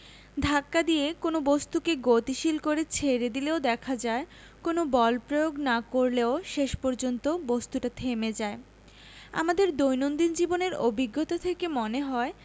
ধাক্কা দিয়ে কোনো বস্তুকে গতিশীল করে ছেড়ে দিলেও দেখা যায় কোনো বল প্রয়োগ না করলেও শেষ পর্যন্ত বস্তুটা থেমে যায় আমাদের দৈনন্দিন জীবনের অভিজ্ঞতা থেকে মনে হয়